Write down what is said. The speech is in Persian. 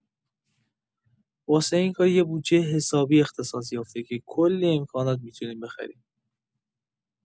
واسه این کار یه بودجه حسابی اختصاص‌یافته که کلی امکانات می‌تونیم بخریم.